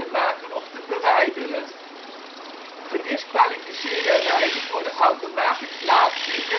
maken of te verwijderen. Gediskwalificeerde rijders worden automatisch laatste in